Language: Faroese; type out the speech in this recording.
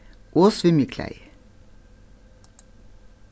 og svimjiklæði